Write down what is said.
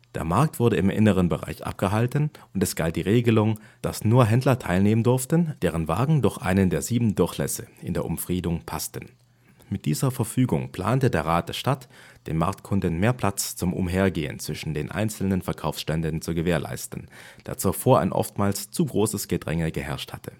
Der Markt wurde im inneren Bereich abgehalten und es galt die Regelung, dass nur Händler teilnehmen durften, deren Wagen durch einen der sieben Durchlässe in der Umfriedung passten. Mit dieser Verfügung plante der Rat der Stadt, den Marktkunden mehr Platz zum Umhergehen zwischen den einzelnen Verkaufständen zu gewährleisten, da zuvor ein oftmals zu großes Gedränge geherrscht hatte